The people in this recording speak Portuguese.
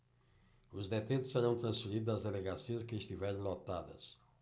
os detentos serão transferidos das delegacias que estiverem lotadas